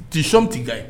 Tsɔn tɛ ka ye